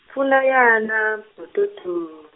mpfula ya na mthothothoo.